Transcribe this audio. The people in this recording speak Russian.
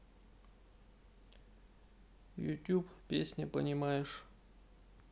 ютуб песня понимаешь